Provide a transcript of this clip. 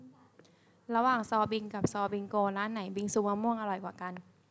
ระหว่างซอลบิงกับซอบิงโกร้านไหนบิงซูมะม่วงอร่อยกว่ากัน